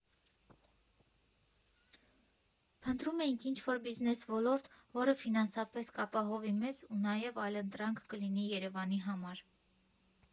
«Փնտրում էինք ինչ֊որ բիզնես ոլորտ, որը ֆինանսապես կապահովի մեզ ու նաև այլընտրանք կլինի Երևանի համար։